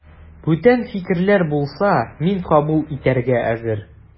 Бүтән фикерләр булса, мин кабул итәргә әзер.